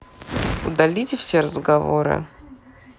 удалите все разговоры